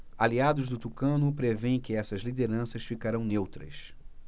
aliados do tucano prevêem que essas lideranças ficarão neutras